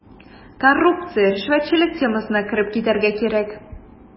Коррупция, ришвәтчелек темасына кереп китәргә кирәк.